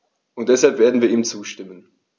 Und deshalb werden wir ihm zustimmen.